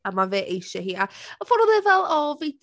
A ma' fe eisiau hi, a y fordd oedd e fel, "O fi..."